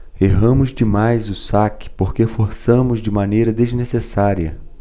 erramos demais o saque porque forçamos de maneira desnecessária